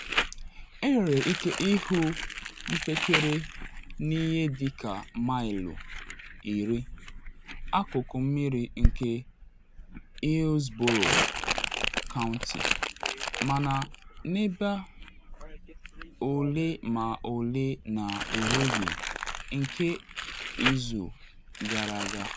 Enwere ike ịhụ mpekere n’ihe dị ka maịlụ 10 akụkụ mmiri nke Hillsborough County, mana n’ebe ole ma ole na erughi nke izu gara aga.